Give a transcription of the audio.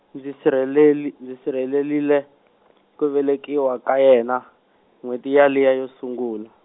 ndzi sirheleli- ndzi sirhelerile , ku velekiwa ka yena, n'hweti yaliya yo sungula.